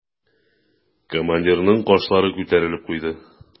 Командирның кашлары күтәрелеп куйды.